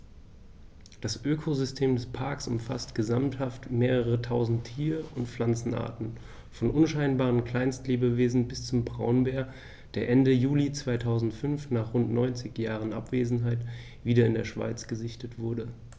Das Ökosystem des Parks umfasst gesamthaft mehrere tausend Tier- und Pflanzenarten, von unscheinbaren Kleinstlebewesen bis zum Braunbär, der Ende Juli 2005, nach rund 90 Jahren Abwesenheit, wieder in der Schweiz gesichtet wurde.